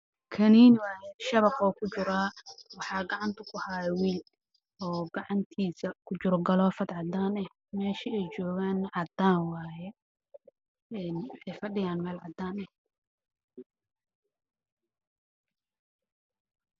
Waa saxan madow waxaa ku jira kaniin cad